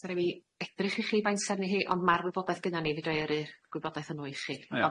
Sa raid fi edrych i chi faint sy arni hi ond ma'r wybodaeth gynnon ni fi droi ar i'r gwybodaeth yno i chi. Ie.